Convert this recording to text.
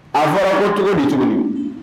A fɔra ko cogo di cogo don